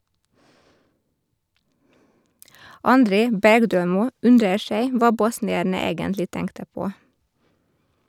André Bergdølmo undrer seg hva bosnierne egentlig tenkte på.